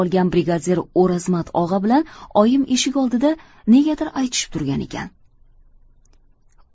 olgan brigadir o'rozmat og'a bilan oyim eshik oldida negadir aytishib turgan ekan